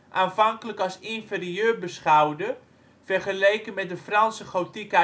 aanvankelijk als inferieur beschouwde vergeleken met de Franse gotiek